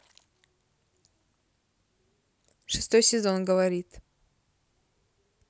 шестой сезон говорит